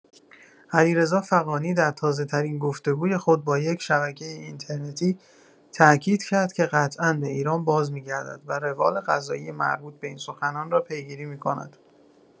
علیرضا فغانی در تازه‌ترین گفت‌وگوی خود با یک شبکه اینترنتی تاکید کرد که قطعا به ایران بازمی‌گردد و روال قضایی مربوط به این سخنان را پیگیری می‌کند.